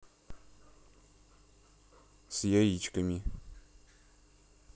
с яичками